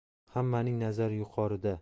hammaning nazari yuqorida